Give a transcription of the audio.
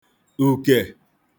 ùkè